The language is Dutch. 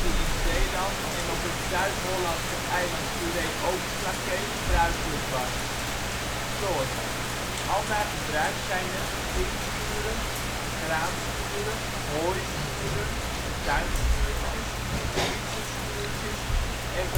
in Zeeland en op het Zuid-Hollandse eiland Goeree-Overflakkee gebruikelijk was. Al naar gebruik zijn er: tiendschuur; graanschuren; hooischuren; tuinschuurtjes; fietsenschuurtjes; gereedschapschuurtjes